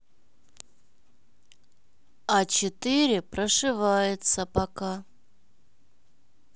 а четыре прошивается пока